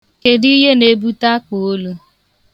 Kedu ihe na-ebute akpụolu?